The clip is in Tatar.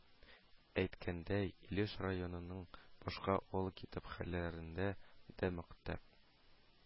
Әйткәндәй, Илеш районының башка авыл китапханәләрендә дә мактап